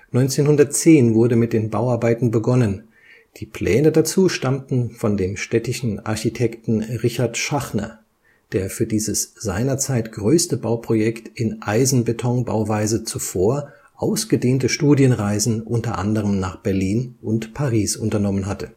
1910 wurde mit den Bauarbeiten begonnen, die Pläne dazu stammten von dem städtischen Architekten Richard Schachner, der für dieses seinerzeit größte Bauprojekt in Eisenbetonbauweise zuvor ausgedehnte Studienreisen unter anderem nach Berlin und Paris unternommen hatte